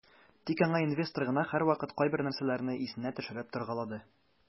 Тик аңа инвестор гына һәрвакыт кайбер нәрсәләрне исенә төшереп торгалады.